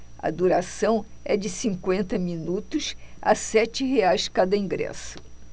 a duração é de cinquenta minutos a sete reais cada ingresso